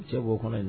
Cɛ b'o kɔnɔ